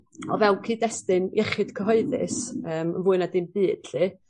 o fewn cyd-destun iechyd cyhoeddus yym mwy na dim byd 'lly.